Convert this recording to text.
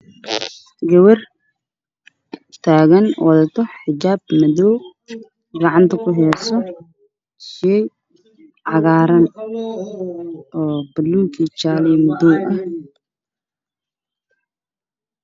Waa gabar taagan oo xijaabo midbadoodu waa madow